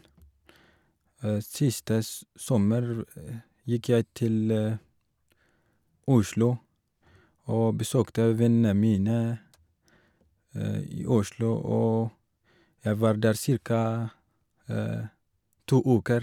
Siste s sommer gikk jeg til Oslo og besøkte vennene mine i Oslo, og jeg var der cirka to uker.